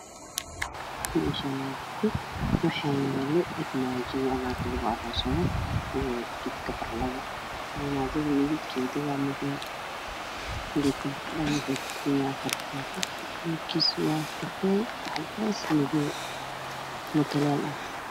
Meshaan wa jiko waxaa yaalo armaajada alaabta lagu aruursado iyo midka barandhada armaajada midabkeeda waa madow lakiin barandhada wuxuu ka koban yahay afar xabo midibkiisu waa kafey cadeys madow mutaleel ah